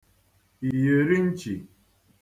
ìyèri nchị̀